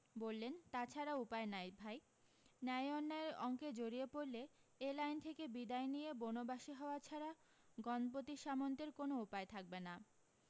বললেন তা ছাড়া উপায় নাই ভাই ন্যায় অন্যায়ের অঙ্কে জড়িয়ে পড়লে এ লাইন থেকে বিদায় নিয়ে বনবাসী হওয়া ছাড়া গণপতি সামন্তের কোনো উপায় থাকবে না